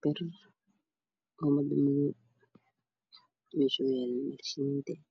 bir ah oo mad madow meesha uu yaalana waa meel shamiita ah.